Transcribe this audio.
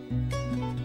Nse